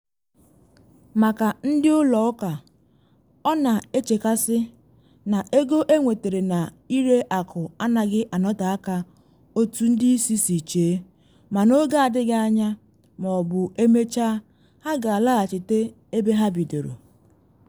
Maka ndị ụlọ ụka, ọ na echekasị na ego enwetere na ịre akụ agaghị anọte aka otu ndị isi si chee, “ma n’oge adịghị anya ma ọ bụ emechaa ha ga-alaghachite ebe ha bidoro.”